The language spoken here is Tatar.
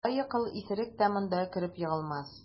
Лаякыл исерек тә монда кереп егылмас.